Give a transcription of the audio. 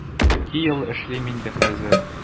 Ике ел эшлим инде хәзер.